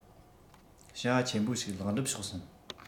བྱ བ ཆེན པོ ཞིག ལེགས འགྲུབ བྱུང སོང